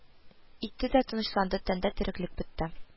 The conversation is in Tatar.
Итте дә тынычланды, тәндә тереклек бетте